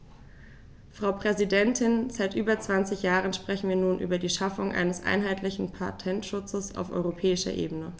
Frau Präsidentin, seit über 20 Jahren sprechen wir nun über die Schaffung eines einheitlichen Patentschutzes auf europäischer Ebene.